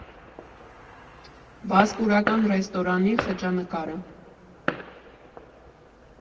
«Վասպուրական» ռեստորանի խճանկարը։